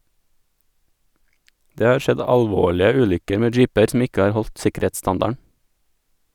Det har skjedd alvorlige ulykker med jeeper som ikke har holdt sikkerhetsstandarden.